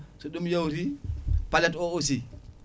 so ɗum yawti palette o aussi